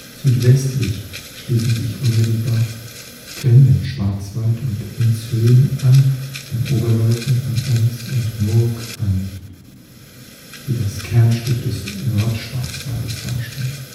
Südwestlich schließen sich unmittelbar Grindenschwarzwald und Enzhöhen (151) an den Oberläufen von Enz und Murg an, die das Kernstück des Nordschwarzwaldes darstellen